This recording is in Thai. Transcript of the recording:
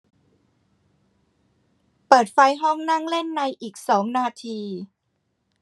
เปิดไฟห้องนั่งเล่นในอีกสองนาที